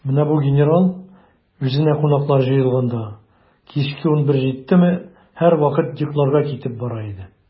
Менә бу генерал, үзенә кунаклар җыелганда, кичке унбер җиттеме, һәрвакыт йокларга китеп бара иде.